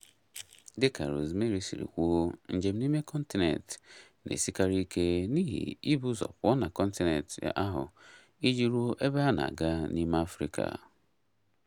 Dịka Rosemary siri kwuo, njem n'ime kọntinent na-esikarị ike n'ihi ị bụ ụzọ pụọ na kọntinent ahụ iji ruo ebe ha na-aga n'ime Afrịka.